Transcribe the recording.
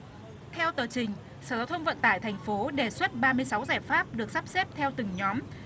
theo tờ trình sở giao thông vận tải thành phố đề xuất ba mươi sáu giải pháp được sắp xếp theo từng nhóm